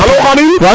Alo Khadim